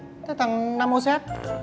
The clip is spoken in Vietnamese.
thế thằng nam mô sét